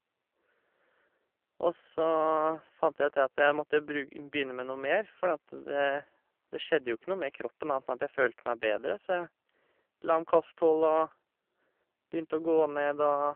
Og så fant jeg ut det at jeg måtte jo bru begynne med noe mer, fordi at det det skjedde jo ikke noe med kroppen annet enn at jeg følte meg bedre, så jeg la om kosthold og begynte å gå ned og...